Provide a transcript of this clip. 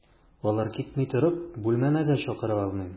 Алар китми торып, бүлмәмә дә чакыра алмыйм.